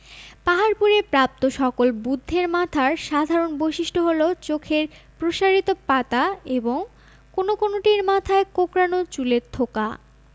পাহাড়পুরে প্রাপ্ত সকল বুদ্ধের মাথার সাধারণ বৈশিষ্ট্য হলো চোখের প্রসারিত পাতা এবং কোন কোনটির মাথায় কোকড়ানো চুলের থোকা